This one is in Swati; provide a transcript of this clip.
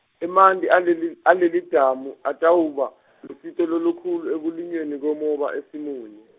emanti aleli- alelidamu, atawuba, lusito lolukhulu ekulinyweni kwemoba eSimunye.